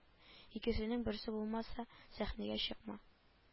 Икесенең берсе булмаса сәхнәгә чыкма